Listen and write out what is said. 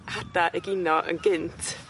hada egino yn gynt